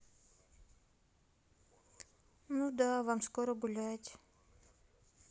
ну да вам скоро гулять